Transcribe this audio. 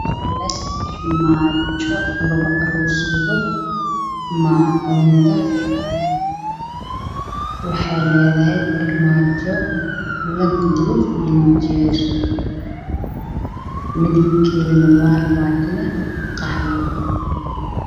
Meesha waa qol armaajo weyn ay taalo